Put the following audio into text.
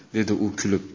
dedi u kulib